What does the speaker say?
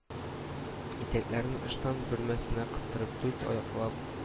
Итәкләрен ыштан бөрмәсенә кыстырып дүрт аяклап